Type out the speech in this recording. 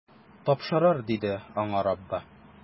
Тапшырыр, - диде аңа Раббы.